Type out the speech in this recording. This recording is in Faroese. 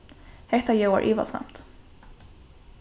hetta ljóðar ivasamt